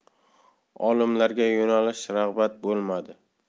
olimlarga yo'nalish rag'bat bo'lmadi